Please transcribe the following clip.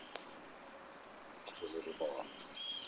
да ты задолбала